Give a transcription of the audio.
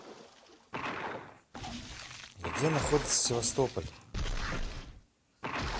где находится севастополь